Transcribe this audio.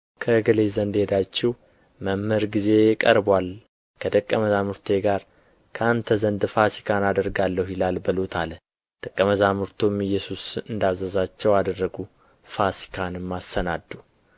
ከእገሌ ዘንድ ሄዳችሁ መምህር ጊዜዬ ቀርቦአል ከደቀ መዛሙርቴ ጋር ከአንተ ዘንድ ፋሲካን አደርጋለሁ ይላል በሉት አለ ደቀ መዛሙርቱም ኢየሱስ እንዳዘዛቸው አደረጉ ፋሲካንም አሰናዱ